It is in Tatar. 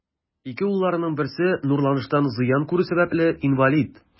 Ике улларының берсе нурланыштан зыян күрү сәбәпле, инвалид.